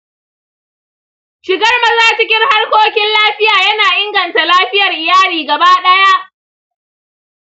shigar maza cikin harkokin lafiya yana inganta lafiyar iyali gaba ɗaya.